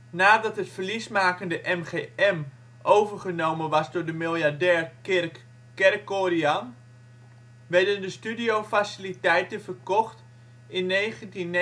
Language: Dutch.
Nadat het verliesmakende MGM overgenomen was door de miljardair Kirk Kerkorian, werden de studiofaciliteiten verkocht in 1969